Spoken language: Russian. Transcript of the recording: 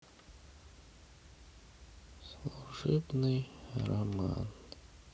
служебный роман